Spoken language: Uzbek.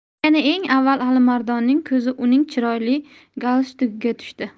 yana eng avval alimardonning ko'zi uning chiroyli galstugiga tushdi